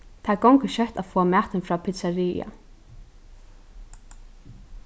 tað gongur skjótt at fáa matin frá pitsaria